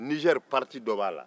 nigɛri fan dɔ b'a la